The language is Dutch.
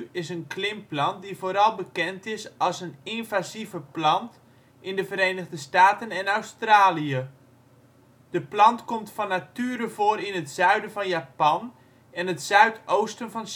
is een klimplant die vooral bekend is als een invasieve plant in de Verenigde Staten en Australië. De plant komt van nature voor in het zuiden van Japan en het zuidoosten van